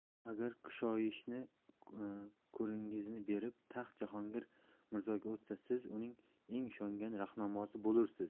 agar kushoyishi koringizni berib taxt jahongir mirzog'a o'tsa siz uning eng ishongan rahnamosi bo'lursiz